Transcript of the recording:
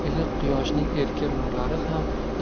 iliq quyoshning erka nurlari ham